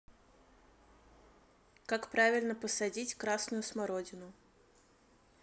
как правильно посадить красную смородину